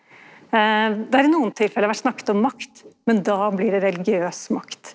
det er i nokon tilfelle vore snakka om makt, men då blir det religiøs makt.